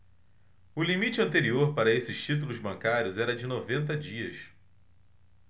o limite anterior para estes títulos bancários era de noventa dias